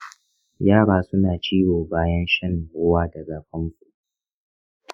yara suna ciwo bayan shan ruwa daga famfo.